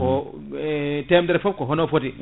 o temedere foof ko hono foti